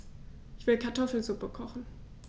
Ich will Kartoffelsuppe kochen.